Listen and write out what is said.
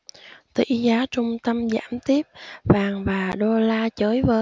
tỷ giá trung tâm giảm tiếp vàng và đô la chới với